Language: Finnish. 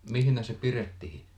missä se pidettiin